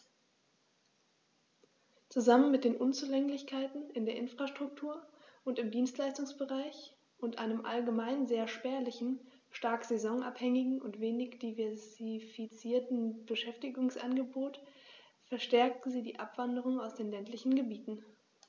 Zusammen mit den Unzulänglichkeiten in der Infrastruktur und im Dienstleistungsbereich und einem allgemein sehr spärlichen, stark saisonabhängigen und wenig diversifizierten Beschäftigungsangebot verstärken sie die Abwanderung aus den ländlichen Gebieten.